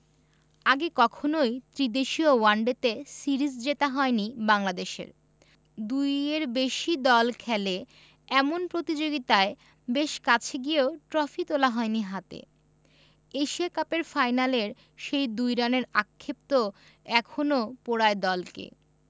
আগে কখনোই ত্রিদেশীয় ওয়ানডে তে সিরিজ জেতা হয়নি বাংলাদেশের দুইয়ের বেশি দল খেলে এমন প্রতিযোগিতায় বেশ কাছে গিয়েও ট্রফি তোলা হয়নি হাতে এশিয়া কাপের ফাইনালের সেই ২ রানের আক্ষেপ তো এখনো পোড়ায় দলকে